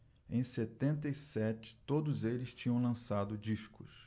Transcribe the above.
em setenta e sete todos eles tinham lançado discos